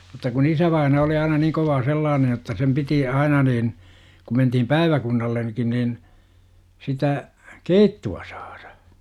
mutta kun isävainaa oli aina niin kovaa sellainen jotta sen piti aina niin kun mentiin päiväkunnallekin niin sitä keittoa saada